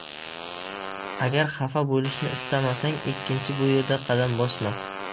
agar xafa bo'lishni istamasang ikkinchi bu yerga qadam bosma